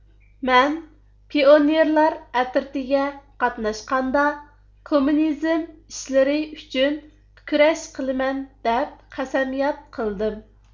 مەن پىئونېرلار ئەترىتىگە قاتناشقاندا كوممۇنىزم ئىشلىرى ئۈچۈن كۈرەش قىلىمەن دەپ قەسەمياد قىلدىم